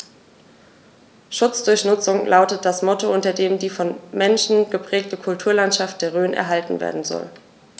„Schutz durch Nutzung“ lautet das Motto, unter dem die vom Menschen geprägte Kulturlandschaft der Rhön erhalten werden soll.